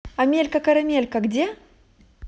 амелька карамелька где